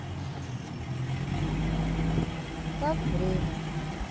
так время